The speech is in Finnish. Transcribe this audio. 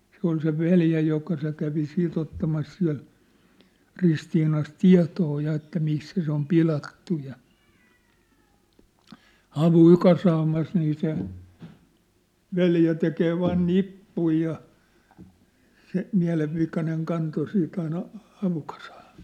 se oli se veli joka se kävi siitä ottamassa siellä Ristiinassa tietoa ja että missä se on pilattu ja havuja kasaamassa niin se veli tekee vain nippuja ja se mielenvikainen kantoi sitten aina havukasaan ne